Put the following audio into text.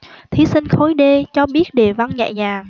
thí sinh khối d cho biết đề văn nhẹ nhàng